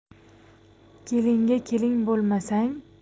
kelinga kelin bo'lmasang